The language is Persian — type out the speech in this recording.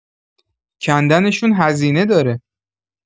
کندنشون هزینه داره.